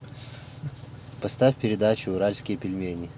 поставь передачу уральские пельмени